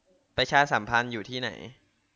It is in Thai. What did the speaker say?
ประชาสัมพันธ์อยู่ที่ไหน